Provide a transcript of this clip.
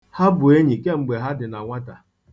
Ha bụ enyi kemgbe ha dị na nwata.